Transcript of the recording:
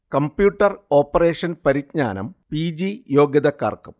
Computer operation പരിജ്ഞാനം P. G യോഗ്യതക്കാർക്കും